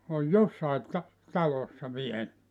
on jossakin - talossa vielä